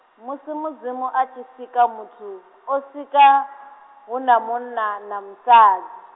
musi Mudzimu atshi sika muthu, o sika, hu na munna na musad-.